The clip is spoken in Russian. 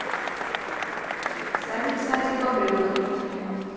садик садик бобренок